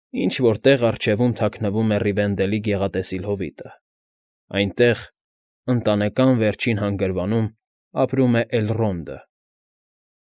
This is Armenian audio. Ինչ֊որ տեղ առջևում թաքնվում է Ռիվենդելի գեղատեսլի հովիտը, այնտեղ, Ընտանեկան Վերջին Հանգրվանում ապրում է Էլրոնդը։